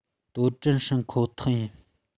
ཏུའུ ཀྲེང ཧྲེང ཁོ ཐག ཡིན